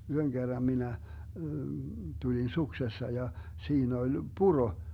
yhden kerran minä tulin suksessa ja siinä oli puro